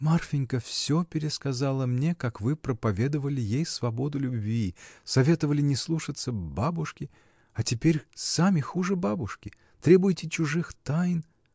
— Марфинька всё пересказала мне, как вы проповедовали ей свободу любви, советовали не слушаться бабушки, а теперь сами хуже бабушки! Требуете чужих тайн.